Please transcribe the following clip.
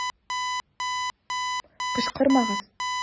Кычкырмагыз!